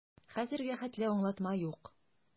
Хәзергә хәтле аңлатма юк.